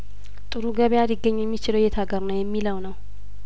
ጥሩ ገበያ ሊገኝ የሚችለው የት አገር ነው የሚለው ነው